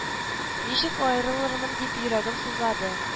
Ничек аерылырмын дип йөрәгем сызлады